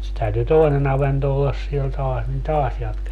se täytyi toinen avanto olla siellä taas niin taas jatkettiin